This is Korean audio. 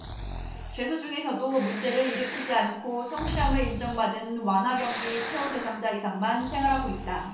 죄수 중에서도 문제를 일으키지 않고 성실함을 인정받은 완화경비 처우 대상자이상만 생활하고 있다